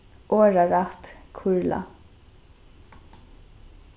orðarætt kurla